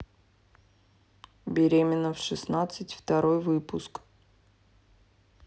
беременна в шестнадцать второй выпуск